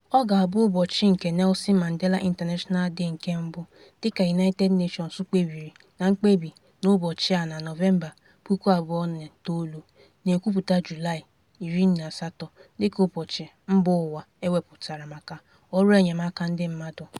Ọ ga-abụ ụbọchi nke Nelson Mandela International Day nke mbụ, dị ka United Nations kpebiri na mkpebi n'ụbọchị a na Nọvemba 2009, na-ekwupụta Julaị 18 dịka ụbọchị mbaụwa ewepụtara maka ọrụ enyemaka ndị mmadụ.